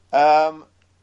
Yym.